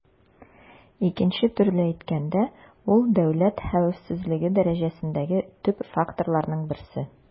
Икенче төрле әйткәндә, ул дәүләт хәвефсезлеге дәрәҗәсендәге төп факторларның берсе.